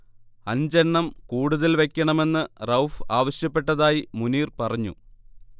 അഞ്ചെണ്ണം കൂടുതൽ വയ്ക്കണമെന്ന് റഊഫ് ആവശ്യപ്പെട്ടതായി മുനീർ പറഞ്ഞു